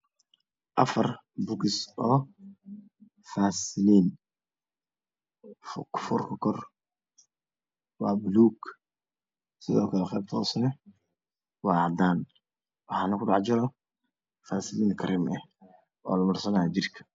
Afar buukis faasliin fur waa bulug sidokle qaybta hoosana waa cadaan. Waxanaa kudhex jiro faaslin karem ah oo lamarsanayo jidhka